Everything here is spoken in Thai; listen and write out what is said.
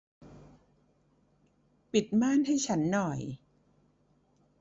ปิดม่านให้ฉันหน่อย